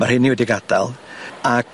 ma' rheini wedi gadal ac